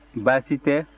baasi tɛ